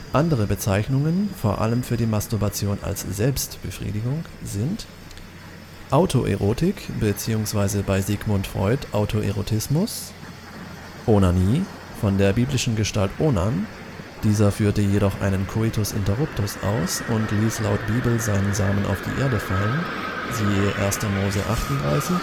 Andere Bezeichnungen vor allem für die Masturbation als Selbst-Befriedigung sind: Autoerotik bzw. bei Sigmund Freud Autoerotismus. Onanie (von der biblischen Gestalt Onan – dieser führte jedoch einen Coitus interruptus aus und ließ laut Bibel seinen Samen auf die Erde fallen – (1 Mos 38,1−11 EU